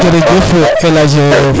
jerejef Elhaj Faye